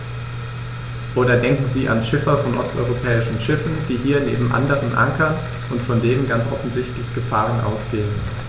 Oder denken Sie an Schiffer von osteuropäischen Schiffen, die hier neben anderen ankern und von denen ganz offensichtlich Gefahren ausgehen.